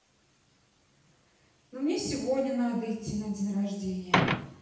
ну мне сегодня надо идти на день рождения